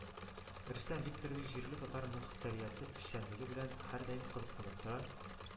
Рөстәм Викторович җирле татар мохтәрияте эшчәнлеге белән һәрдаим кызыксынып тора